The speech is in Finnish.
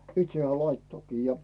itse hän laittoikin ja